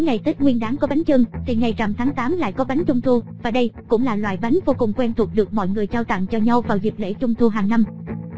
nếu ngày tết nguyến đán có bánh chưng thì ngày rằm tháng tám lại có bánh trung thu và đây cũng là loại bánh vô cùng quen thuộc được mọi người trao tặng cho nhau vào dịp lễ trung thu hàng năm